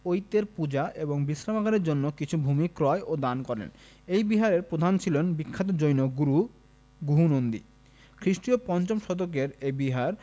অইতের পূজা এবং বিশ্রামাগারের জন্য কিছু ভূমি ক্রয় ও দান করেন এই বিহারের প্রধান ছিলেন বিখ্যাত জৈন গুরু গুহনন্দী খ্রিস্টীয় ৫ম শতকের এই বিহার